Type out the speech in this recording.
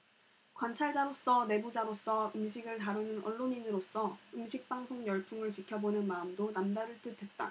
관찰자로서 내부자로서 음식을 다루는 언론인으로서 음식 방송 열풍을 지켜보는 마음도 남다를 듯했다